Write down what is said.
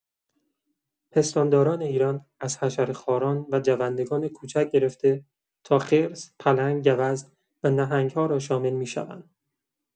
پستانداران ایران از حشره‌خواران و جوندگان کوچک گرفته تا خرس، پلنگ، گوزن و نهنگ‌ها را شامل می‌شوند.